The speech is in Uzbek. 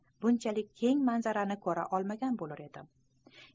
bunchalik keng manzarani ko'ra olmagan bo'lur edim